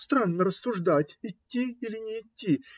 Странно рассуждать - идти или не идти?